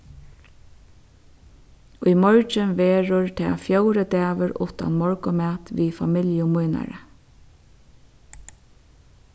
í morgin verður tað fjórði dagur uttan morgunmat við familju mínari